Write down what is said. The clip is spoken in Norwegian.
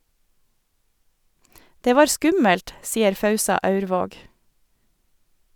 Det var skummelt, sier Fausa Aurvåg.